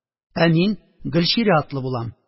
– ә мин гөлчирә атлы булам